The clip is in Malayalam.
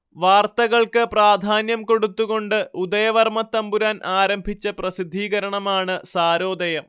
വാർത്തകൾക്ക് പ്രാധാന്യം കൊടുത്തുകൊണ്ട് ഉദയവർമ്മത്തമ്പുരാൻ ആരംഭിച്ച പ്രസിദ്ധീകരണമാണ് സാരോദയം